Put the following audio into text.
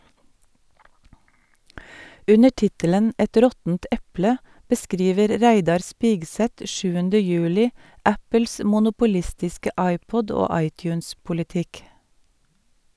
Under tittelen "Et råttent eple" beskriver Reidar Spigseth 7. juli Apples monopolistiske iPod- og iTunes-politikk.